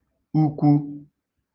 ukwu